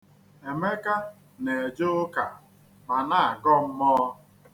Emeka na-eje ụka ma na-agọ mmụọ.